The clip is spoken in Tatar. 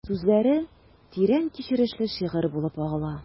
Сүзләре тирән кичерешле шигырь булып агыла...